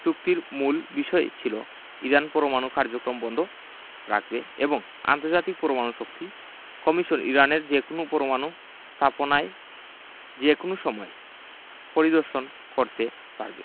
চুক্তির মূল বিষয় ছিল ইরান পরমাণু কার্যক্রম বন্ধ রাখবে এবং আন্তর্জাতিক পরমাণু শক্তি কমিশন ইরানের যেকোনো পরমাণু স্থাপনায় যেকোনো সময় পরিদর্শন করতে পারবে